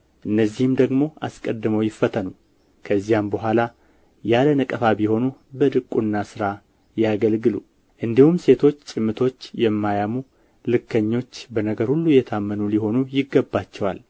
እነዚህም ደግሞ አስቀድሞ ይፈተኑ ከዚያም በኋላ ያለ ነቀፋ ቢሆኑ በዲቁና ሥራ ያገልግሉ እንዲሁም ሴቶች ጭምቶች የማያሙ ልከኞች በነገር ሁሉ የታመኑ ሊሆኑ ይገባቸዋል